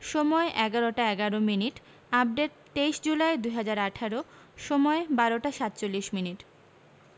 সময়ঃ ১১টা ১১মিনিট আপডেট ২৩ জুলাই ২০১৮ সময়ঃ ১২টা ৪৭মিনিট